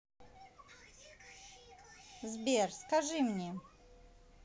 сбер скажи мне